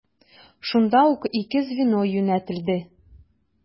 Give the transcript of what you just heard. Шунда ук ике звено юнәтелде.